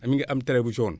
mi ngi am trait bu jaune